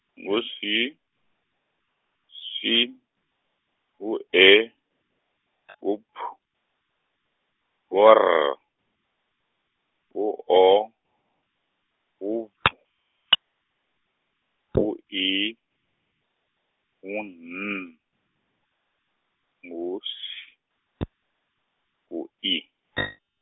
ngu S, S, ngu E, ngu P, ngu R, ngu O, ngu V, ngu I, ngu N, ngu S , ngu I .